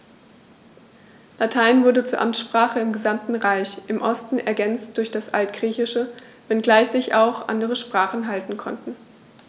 Latein wurde zur Amtssprache im gesamten Reich (im Osten ergänzt durch das Altgriechische), wenngleich sich auch andere Sprachen halten konnten.